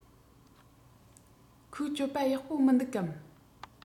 ཁོའི སྤྱོད པ ཡག པོ མི འདུག གམ